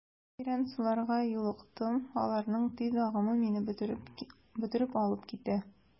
Тирән суларга юлыктым, аларның тиз агымы мине бөтереп алып китә.